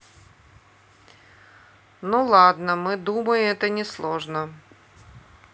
ну ладно мы думай это не сложно